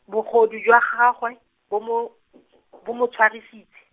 bogodu jwa gagwe, bo mo , bo mo tshwarisitse.